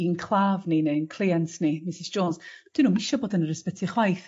i'n claf ni neu ein cleient ni Misys Jones 'dyn nw'm isio bod yn yr ysbyty chwaith.